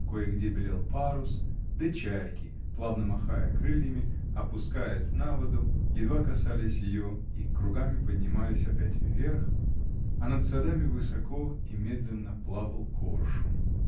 кое-где белел парус, да чайки, плавно махая крыльями, опускаясь на воду, едва касались ее и кругами поднимались опять вверх, а над садами высоко и медленно плавал коршун.